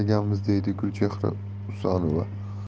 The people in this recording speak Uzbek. ishlaganmiz deydi gulchehra usanova